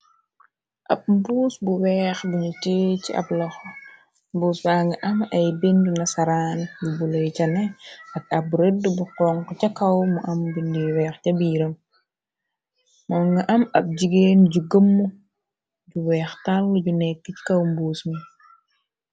ab mbuus bu weex binu tie ci ab lox mbuus ba nga am ay bind na saraan yu bulay cane ak ab rëdd bu xonk ca kaw mu am bindi weex ca biiram moon nga am ab jigéen ju gëm u weex tàll ju nekk ci kaw mbuus mi